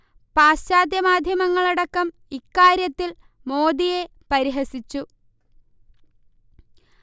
പാശ്ചാത്യ മാദ്ധ്യമങ്ങൾ അടക്കം ഇക്കാര്യത്തിൽ മോദിയെ പരിഹസിച്ചു